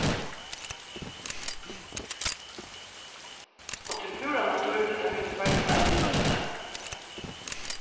og tað er púra natúrligt at vit í føroyum eisini fylgja teimum